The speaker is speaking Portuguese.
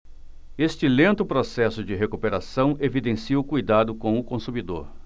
este lento processo de recuperação evidencia o cuidado com o consumidor